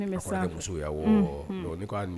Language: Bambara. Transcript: Se musoya